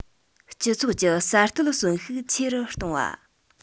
སྤྱི ཚོགས ཀྱི གསར གཏོད གསོན ཤུགས ཆེ རུ གཏོང བ